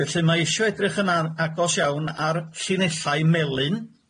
Felly mae isio edrych yn ar- agos iawn ar llinellau melyn